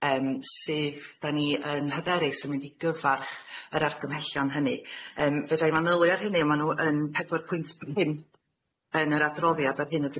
yym sydd 'da ni yn hyderus yn mynd i gyfarch yr argymhellion hynny. Yym fedra' i fanylu ar hynny on' ma' nw yn pedwar pwynt pump yn yr adroddiad ar hyn o bryd.